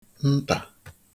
ntà